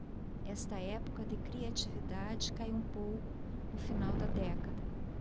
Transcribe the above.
esta época de criatividade caiu um pouco no final da década